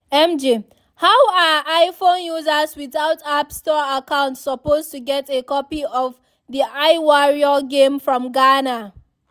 MJ: How are iPhone users without App Store accounts supposed to get a copy of the iWarrior Game from Ghana?